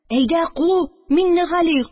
Әйдә ку, Миңнегали